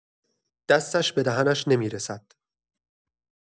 دستش به دهنش نمی‌رسد